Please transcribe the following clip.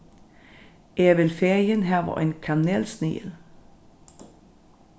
eg vil fegin hava ein kanelsnigil